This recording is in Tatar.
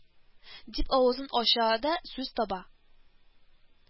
Дип авызын ача да, сүз таба